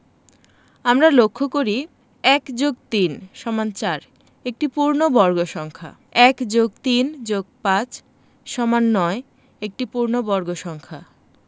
আমরা লক্ষ করি ১+৩=৪ একটি পূর্ণবর্গ সংখ্যা ১+৩+৫=৯ একটি পূর্ণবর্গ সংখ্যা